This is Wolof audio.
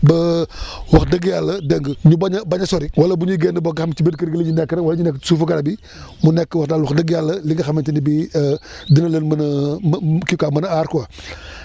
ba wax dëgg yàlla dégg nga ñu bañ a bañ a sori wala bu ñuy génn boog nga xam ci biir kër gi la ñuy nekk rek wala ñu nekk ci suufu garab yi mu nekk daal wax dëgg yàlla li nga xamante ni bii dina leen mën a më kii quoi mën a aar quoi